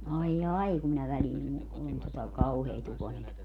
aijai kun minä väliin kun on tuota kauheat ukonilmat